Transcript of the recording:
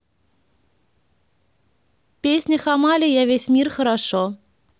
песня hammali я весь мир хорошо